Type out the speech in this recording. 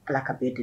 Ala ka bɛɛ de